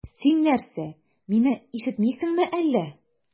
Син нәрсә, мине ишетмисеңме әллә?